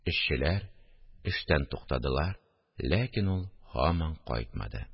Эшчеләр эштән туктадылар, ләкин ул һаман кайтмады